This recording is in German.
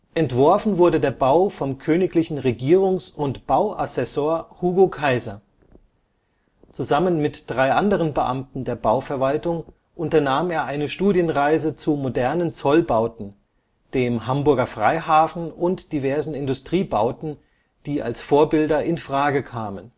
Entworfen wurde der Bau vom königlichen Regierungs - und Bauassessor Hugo Kaiser. Zusammen mit drei anderen Beamten der Bauverwaltung unternahm er eine Studienreise zu modernen Zollbauten, dem Hamburger Freihafen und diversen Industriebauten, die als Vorbilder in Frage kamen